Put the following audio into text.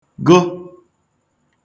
gụ